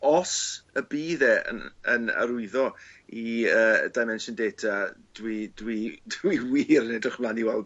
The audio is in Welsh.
os y bydd e yn yn arwyddo i yy Dimension Data dwi dwi dwi wir yn edrych mlan i weld